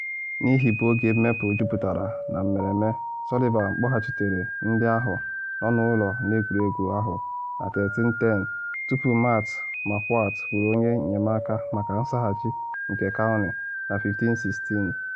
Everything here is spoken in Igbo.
N’ihe bụ oge mmepe juputara na mmereme, Sullivan kpọghachitere ndị ahụ nọ n’ụlọ n’egwuregwu ahụ na 13:10 tupu Matt Marquardt bụrụ onye enyemaka maka nsaghachi nke Cownie na 15:16.